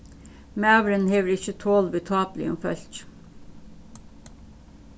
maðurin hevur ikki tol við tápuligum fólki